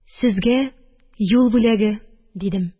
Сезгә юл бүләге, – дидем